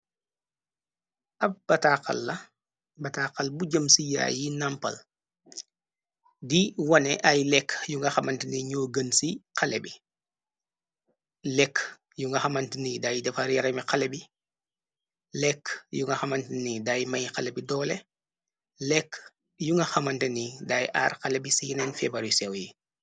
Ab bataaxala, bataaxal bu jem ci yaay yi nampal, di wone ay lekk yu nga xamanti ni ñoo gen ci xale bi, lekk yu nga xamanti ni day defar yerami xale bi, lekk yu nga xamanti ni day may xale bi doole, lekk yu nga xamanti ni daay aar xale bi ci yeneen febraar yu séew yii.